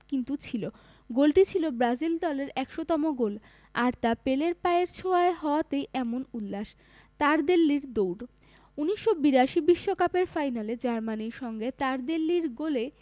কিন্তু ছিল গোলটি ছিল ব্রাজিল দলের ১০০তম গোল আর তা পেলের পায়ের ছোঁয়ায় হওয়াতেই এমন উল্লাস তারদেল্লির দৌড় ১৯৮২ বিশ্বকাপের ফাইনালে জার্মানির সঙ্গে তারদেল্লির গোলেই